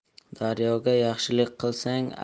daryoga yaxshilik qilsang